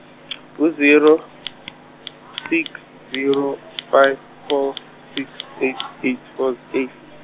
ngu zero, six zero five four six eight eight four eight.